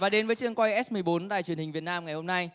và đến với trường quay ét mười bốn đài truyền hình việt nam ngày hôm nay